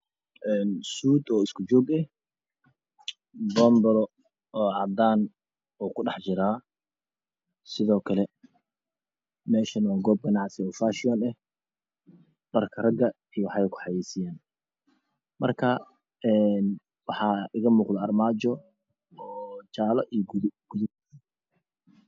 Suud oo isku joog ah boonbalo cadan ah uu ku dhexjiraa sidookale meeshana waa goob ganacsi o fashion eh dharka raga iyo waxay kuxayisiyaan markaa waxaa iga muuqdo armaajo oo jaalo iyo guduud guduud